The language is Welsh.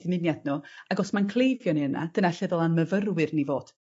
dymuniad n'w ag os ma'n cleifion ni yna dyna lle dyla'n myfyrwyr ni fod.